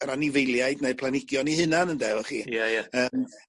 yr anifeiliaid neu'r planhigion 'u hunan ynde welwch chi. Ia ia. Yym